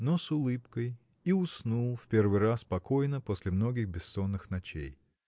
но с улыбкой и уснул в первый раз покойно после многих бессонных ночей.